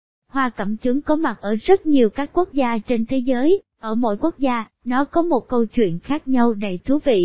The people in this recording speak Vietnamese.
hoa cẩm chướng có mặt ở rất nhiều các quốc gia trên thế giới ở mỗi quốc gia nó có một câu chuyên và ý nghĩa khác nhau đầy thú vị